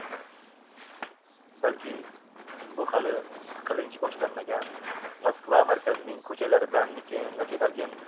balki bu hali tiqilinch boshlanmagan moskva markazining ko'chalaridanmikin yoki balkim